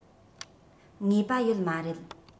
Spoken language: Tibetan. ངེས པ ཡོད མ རེད